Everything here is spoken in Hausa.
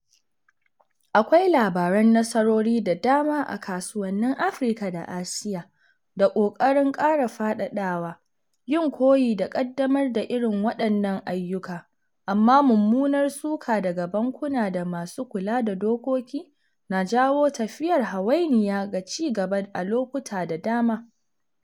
Akwai labaran nasarori da dama a kasuwannin Afirka da Asiya, da ƙoƙarin ƙara faɗaɗawa, yin koyi ko ƙaddamar da irin waɗannan ayyuka, amma mummunar suka daga bankuna da masu kula da dokoki, na jawo tafiyar hawainiya ga ci gaba a lokuta da dama.